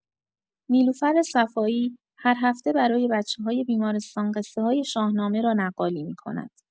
نیلوفر صفایی، هر هفته برای بچه‌های بیمارستان قصه‌های شاهنامه را نقالی می‌کند.